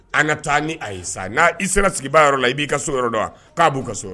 An ka taa ni a ye sa n' i sera sigiba yɔrɔ la i b'i so yɔrɔ dɔn k'a b'u ka so